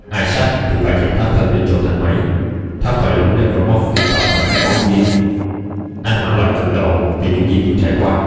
isaac thì phải chạy thoát thân đến chỗ thang máy thoát khỏi lũ necromorph kinh tởm và khát máu kia anh hoảng loạn cực độ vì những gì vừa trải qua